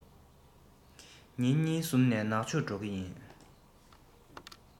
ཉིན གཉིས གསུམ ནས ནག ཆུར འགྲོ གི ཡིན